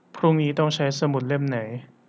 พรุ่งนี้ต้องใช้สมุดเล่มไหน